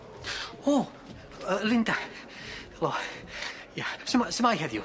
O! Yy Linda. Helo. Ia. Su' ma- su' mae heddiw?